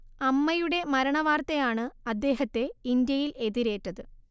അമ്മയുടെ മരണവാർത്തയാണ് അദ്ദേഹത്തെ ഇന്ത്യയിൽ എതിരേറ്റത്